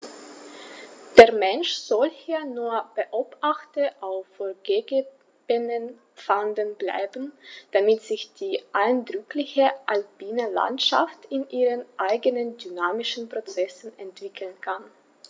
Der Mensch soll hier nur Beobachter auf vorgegebenen Pfaden bleiben, damit sich die eindrückliche alpine Landschaft in ihren eigenen dynamischen Prozessen entwickeln kann.